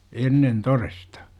ennen todesta